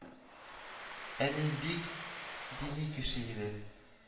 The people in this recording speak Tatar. Әни бик дини кеше иде